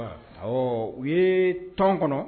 Ɔ u ye tɔn kɔnɔ